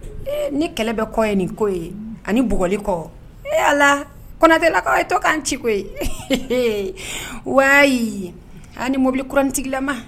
Ni kɛlɛ bɛ kɔ ye nin ko ye ani bli kɔ ee yala kɔntɛlakaw ye to k'an ci koyi ye wa an ni mobili kurantigilama